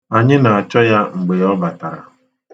Anyị na-acho ya mgbe ọ batara.